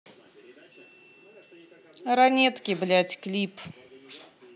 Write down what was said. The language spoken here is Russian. ранетки блять клип